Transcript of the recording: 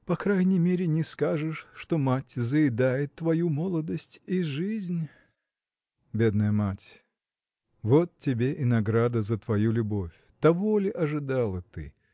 По крайней мере не скажешь, что мать заедает твою молодость и жизнь. Бедная мать! вот тебе и награда за твою любовь! Того ли ожидала ты?